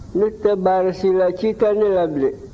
ne tɛ baara si la ci tɛ ne la bilen